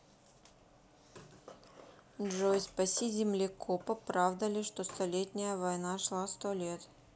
джой спаси землекопа правда ли что столетняя война шла сто лет